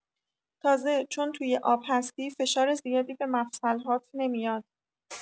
تازه، چون توی آب هستی، فشار زیادی به مفصل‌هات نمیاد.